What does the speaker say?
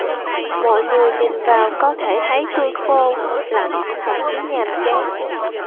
mọi người nhìn vào có thể thấy tôi khô lạnh thậm chí nhàm chán